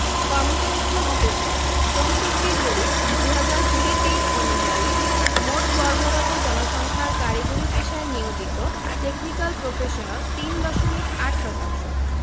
কর্মসংস্থান ও পেশাঃ শ্রমশক্তি জরিপ ২০০২ ০৩ অনুযায়ী মোট কর্মরত জনসংখ্যার কারিগরি পেশায় নিয়োজিত টেকনিকাল প্রফেশনাল ৩ দশমিক ৮ শতাংশ